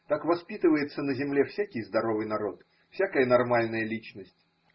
Так воспитывается на земле всякий здоровый народ, всякая нормальная личность.